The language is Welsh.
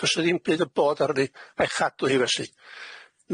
Do's na ddim byd o bod arni a'i chadw hefe sy.